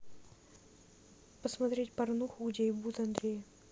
посмотреть порнуху где ебут андрея